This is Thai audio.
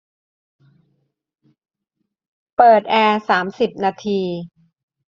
เปิดแอร์สามสิบนาที